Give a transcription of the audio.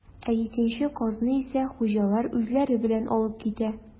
Ә икенче казны исә хуҗалар үзләре белән алып китә.